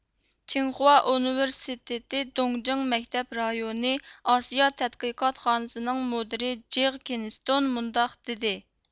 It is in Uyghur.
چىڭخۇا ئۈنۋېرسىتېتى دۇڭجىڭ مەكتەپ رايونى ئاسىيا تەتقىقاتخانىسىنىڭ مۇدىرى جېغ كىنىستون مۇنداق دېدى